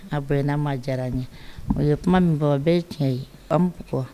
A bɛnna ne ma a diyara n ye , u ye kuma min fɔ , o bɛɛ ye tiɲɛ ye, an b'u kɔ.